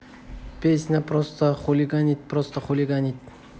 песня просто хулиганить просто хулиганить